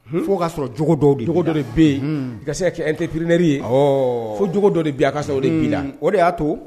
Fo'a sɔrɔogo dɔ dɔ de bɛ yen ka se ka kɛp ppriɛre ye foogo dɔ de bi a ka o de'i o de y'a to